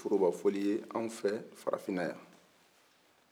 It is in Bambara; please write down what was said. o ye foroba foli ye aw fɛ farafinan yan